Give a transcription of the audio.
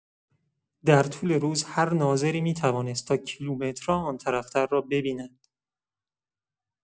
در طول روز هر ناظری می‌توانست تا کیلومترها آن‌طرف‌تر را ببیند.